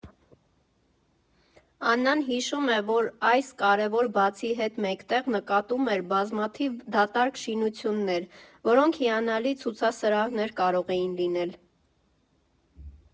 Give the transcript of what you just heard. Աննան հիշում է, որ այս կարևոր բացի հետ մեկտեղ նկատում էր բազմաթիվ դատարկ շինություններ, որոնք հիանալի ցուցասրահներ կարող էին լինել։